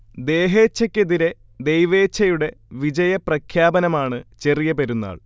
ദേഹേഛക്കെതിരെ ദൈവേഛയുടെ വിജയ പ്രഖ്യാപനമാണ് ചെറിയ പെരുന്നാൾ